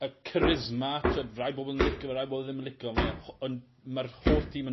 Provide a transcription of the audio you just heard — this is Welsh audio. y charisma t'wod rai bobol yn lico fe rai bobol ddim yn licio mae e'n on' mae'r holl dîm yn